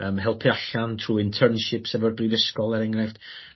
Yym helpu allan trwy internships efo'r brifysgol er enghraifft.